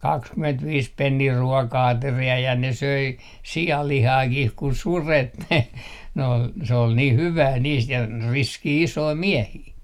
kaksikymmentäviisi penniä ruoka-ateria ja ne söi sianlihaakin kun sudet ne ne oli se oli niin hyvää niistä ja riskejä isoja miehiä